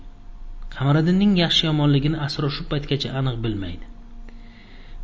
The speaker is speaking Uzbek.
qamariddinning yaxshi yomonligini sror shu paytgacha aniq bilmaydi